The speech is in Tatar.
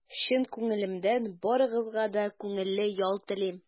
Чын күңелемнән барыгызга да күңелле ял телим!